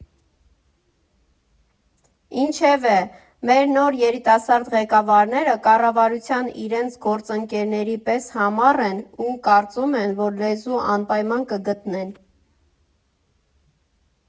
Ինչևէ, մեր նոր երիտասարդ ղեկավարները կառավարության իրենց գործընկերների պես համառ են ու կարծում եմ, որ լեզու անպայման կգտնեն։